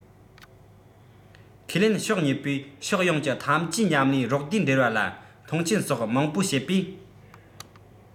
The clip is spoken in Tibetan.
ཁས ལེན ཕྱོགས གཉིས པོས ཕྱོགས ཡོངས ཀྱི འཐབ ཇུས མཉམ ལས རོགས ཟླའི འབྲེལ བ ལ མཐོང ཆེན སོགས མང པོ བཤད པས